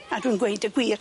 A dwi'n gweud y gwir.